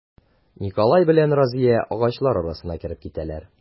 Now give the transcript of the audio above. Николай белән Разия агачлар арасына кереп китәләр.